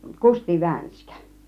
Kusti Vänskä